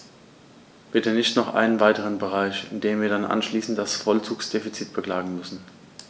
Bitte nicht noch einen weiteren Bereich, in dem wir dann anschließend das Vollzugsdefizit beklagen müssen.